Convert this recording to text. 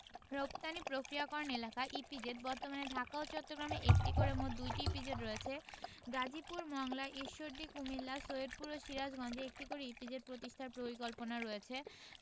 রপ্তানি প্রক্রিয়াকরণ এলাকাঃ ইপিজেড বর্তমানে ঢাকা ও চট্টগ্রামে একটি করে মোট ২টি ইপিজেড রয়েছে গাজীপুর মংলা ঈশ্বরদী কুমিল্লা সৈয়দপুর ও সিরাজগঞ্জে একটি করে ইপিজেড প্রতিষ্ঠার পরিকল্পনা রয়েছে